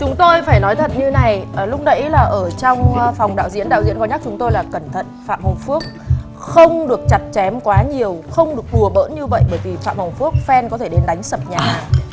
chúng tôi phải nói thật như này ở lúc nãy là ở trong phòng đạo diễn đạo diễn có nhắc chúng tôi là cẩn thận phạm hồng phước không được chặt chém quá nhiều không được đùa bỡn như vậy bởi vì phạm hồng phước phen có thể đến đánh sập nhà